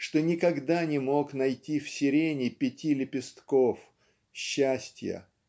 что "никогда не мог найти в сирени пяти лепестков счастья"